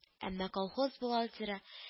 Әмма колхоз бухгалтеры